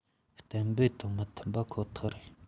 གཏན འབེབས དང མི མཐུན པ ཁོ ཐག ཡིན